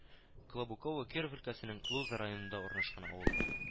Клобуково Киров өлкәсенең Луза районында урнашкан авыл